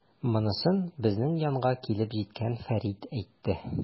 Монысын безнең янга килеп җиткән Фәрит әйтте.